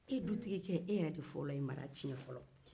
e dutigikɛ e de fɔlɔ ye mara tiɲɛ